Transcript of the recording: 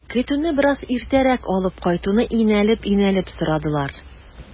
Көтүне бераз иртәрәк алып кайтуны инәлеп-инәлеп сорадылар.